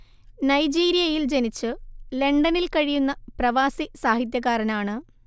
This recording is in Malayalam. നൈജീരിയയിൽ ജനിച്ച് ലണ്ടനിൽ കഴിയുന്ന പ്രവാസി സാഹിത്യകാരനാണ്